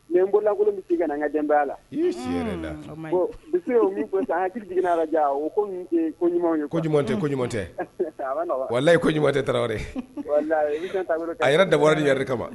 Mais nbololaŋolon be segin kana ŋa denbaya la i tiɲɛ yɛrɛ la unnn o maɲi bon depuis ye o ye min fɔ san hakili jigin'a la jaa o ko ninnu tee ko ɲumanw ye quoi ko ɲuman tɛ ko ɲuman tɛ a ma nɔgɔn walahi ko ɲuman tɛTraoré walahi émission tabolo kaɲi a yɛrɛ dabɔra nin yɛrɛ de kama